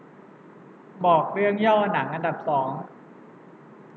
บอกเรื่องย่อหนังอันดับสอง